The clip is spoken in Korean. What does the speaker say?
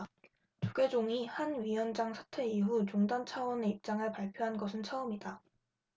조계종이 한 위원장 사태 이후 종단 차원의 입장을 발표한 것은 처음이다